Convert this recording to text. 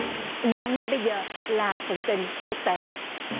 và ngay bây giờ là phần tin quốc tế